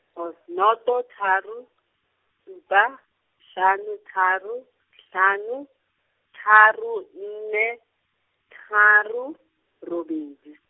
noto tharo , supa, hlano tharo, hlano, tharo nne, tharo , robedi.